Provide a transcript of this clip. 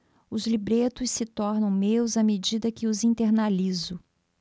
os libretos se tornam meus à medida que os internalizo